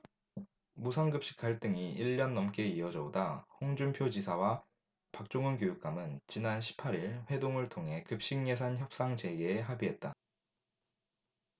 무상급식 갈등이 일 년 넘게 이어져 오다 홍준표 지사와 박종훈 교육감은 지난 십 팔 일 회동을 통해 급식예산 협상 재개에 합의했다